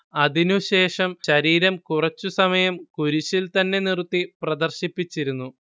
അതിനു ശേഷം ശരീരം കുറച്ചു സമയം കുരിശിൽത്തന്നെ നിർത്തി പ്രദർശിപ്പിച്ചിരുന്നു